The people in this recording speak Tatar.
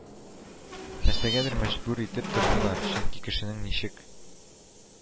Нәрсәгәдер мәҗбүр итеп тормыйлар, чөнки кешенең ничек